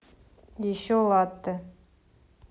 еще латте